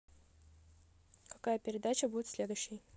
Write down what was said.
какая передача будет следующей